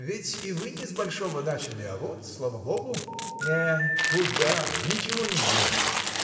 ведь и вы не с большего начали, а вот, слава богу. – Нет! куда! ничего не сделает.